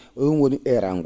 oon woni eeraango